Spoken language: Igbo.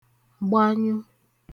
gbanyụ